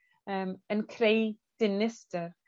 yym yn creu dinistyr.